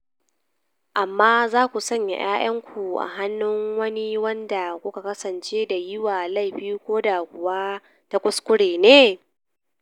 "Amma za ku sanya 'ya'yanku a hannun wani wanda kuka kasance da yiwa laifi, ko da kuwa ta kuskure ne?